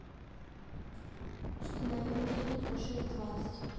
установи будильник на шесть двадцать